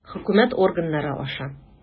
Хөкүмәт органнары аша.